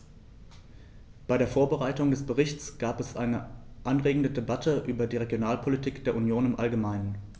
Bei der Vorbereitung des Berichts gab es eine anregende Debatte über die Regionalpolitik der Union im allgemeinen.